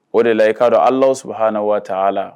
O de la i kaa ala saba hana waati a la